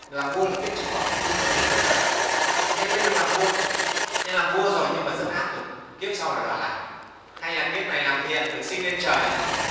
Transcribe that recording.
làm vua là kiếp trước họ phải tu rất nhiều phước lành thế mới được làm vua nhưng làm vua rồi mà rất ác kiếp sau là đọa lạc hay là kiếp này làm thiện được sinh lên trời